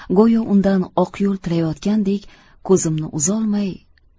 go'yo undan oq yo'l tilayotgandek ko'zimni uzolmay